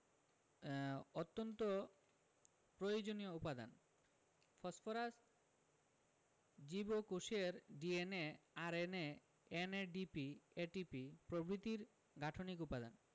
অত্যন্ত প্রয়োজনীয় উপাদান ফসফরাস জীবকোষের DNA RNA NADP ATP প্রভৃতির গাঠনিক উপাদান